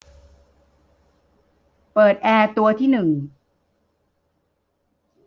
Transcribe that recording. เปิดแอร์ตัวที่หนึ่ง